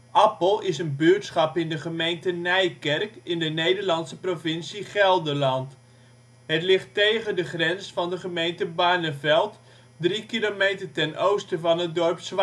Appel is een buurtschap in de gemeente Nijkerk, in de Nederlandse provincie Gelderland. Het ligt tegen de grens van de gemeente Barneveld, 3 kilometer ten oosten van het dorp